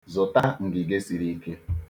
Zụta ngige siri ike.